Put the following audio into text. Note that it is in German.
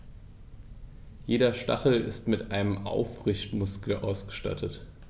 Jeder Stachel ist mit einem Aufrichtemuskel ausgestattet.